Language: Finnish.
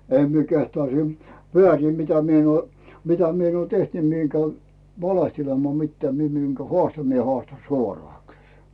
en minä kehtaa siinä väärin mitä minä en ole mitä minä en ole tehty niin minä en käy valehtelemaan mitään minä minkä haastan minä haastan suoraan kyllä